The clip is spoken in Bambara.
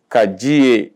Ka ji ye